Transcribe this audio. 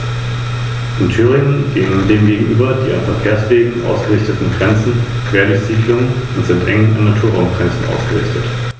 Damit war es als Machtfaktor ausgeschaltet, während Rom mit seiner neuen Provinz Hispanien zunehmend an Einfluss gewann.